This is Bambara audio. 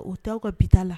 O tɛ aw ka bita la